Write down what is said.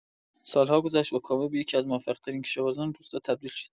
سال‌ها گذشت و کاوه به یکی‌از موفق‌ترین کشاورزان روستا تبدیل شد.